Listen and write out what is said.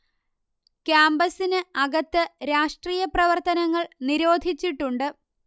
ക്യാമ്പസിന് അകത്ത് രാഷ്ട്രീയ പ്രവർത്തനങ്ങൾ നിരോധിച്ചിട്ടുണ്ട്